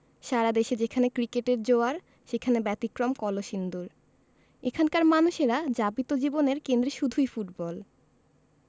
সারা দেশে যেখানে ক্রিকেটের জোয়ার সেখানে ব্যতিক্রম কলসিন্দুর এখানকার মানুষেরা যাপিত জীবনের কেন্দ্রে শুধুই ফুটবল